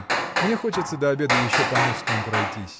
— Мне хочется до обеда еще по Невскому пройтись.